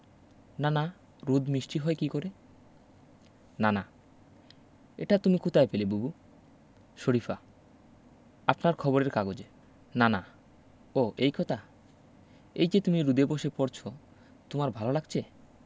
নানা রুদ মিষ্টি হয় কী করে নানা এটা তুমি কুতায় পেলে বুবু শরিফা আপনার খবরের কাগজে নানা ও এই কতা এই যে তুমি রুদে বসে পড়ছ তোমার ভালো লাগছে